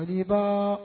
Jigiba